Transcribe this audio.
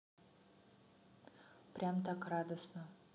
прям так радостно